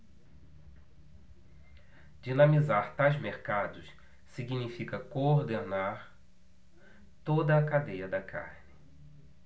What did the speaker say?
dinamizar tais mercados significa coordenar toda a cadeia da carne